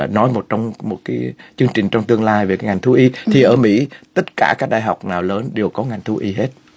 nói một trong một cái chương trình trong tương lai về ngành thú y thì ở mỹ tất cả các đại học nào lớn đều có ngành thú y hết